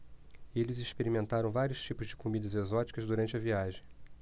eles experimentaram vários tipos de comidas exóticas durante a viagem